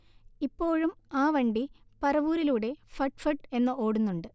ഇപ്പോഴും ആ വണ്ടി പറവൂരിലൂടെ ഫട്ഫട് എന്ന് ഓടുന്നുണ്ട്